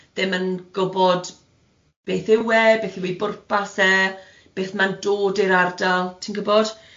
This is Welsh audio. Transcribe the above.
ddim yn gwbod beth yw e, beth yw ei bwrpas e, beth ma'n dod i'r ardal, ti'n gwbod?